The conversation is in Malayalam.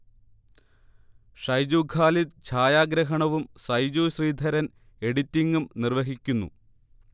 ഷൈജു ഖാലിദ് ചായാഗ്രഹണവും സൈജു ശ്രീധരൻ എഡിറ്റിംഗും നിർവഹിക്കുന്നു